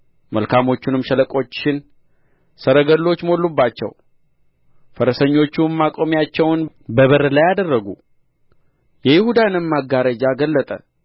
መልካሞቹንም ሸለቆችሽን ሰረገሎች ሞሉባቸው ፈረሰኞችም መቆሚያቸውን በበር ላይ አደረጉ የይሁዳንም መጋረጃ ገለጠ